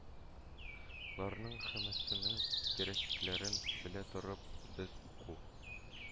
Ларның һәммәсенең кирәклекләрен белә торып, без уку